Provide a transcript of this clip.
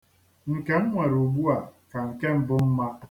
Nke m nwere ugbua ka nke mbụ mma.